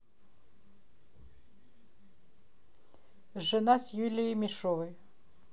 жена с юлией меньшовой